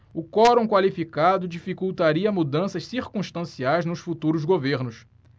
o quorum qualificado dificultaria mudanças circunstanciais nos futuros governos